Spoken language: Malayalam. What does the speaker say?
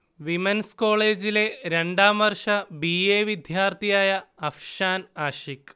വിമൻസ് കോളേജിലെ രണ്ടാം വർഷ ബി. എ. വിദ്യാർഥിയായ അഫ്ഷാൻ ആഷിഖ്